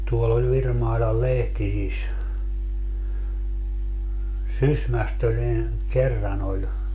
tuolla oli Virmailan Lehtisissä Sysmästä oli niin kerran oli